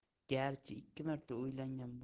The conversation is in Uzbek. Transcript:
garchi ikki marta uylangan